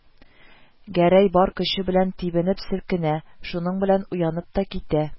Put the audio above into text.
Гәрәй бар көче белән тибенеп селкенә, шуның белән уянып та китә